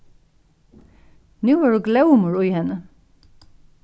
nú vóru glómur í henni